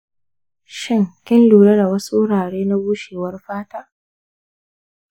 shin kin lura da wasu wurare na bushewar fata?